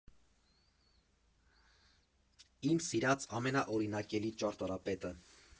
Իմ սիրած ամենաօրինակելի ճարտարապետը…